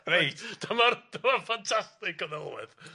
Reit dyma'r dyma'r ffantastig o ddelwedd.